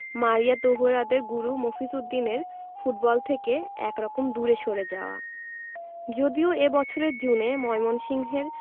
মারিয়া তহুরাদের গুরু মফিজ উদ্দিনের ফুটবল থেকে একরকম দূরে সরে যাওয়া যদিও এ বছরের জুনে ময়মনসিংহের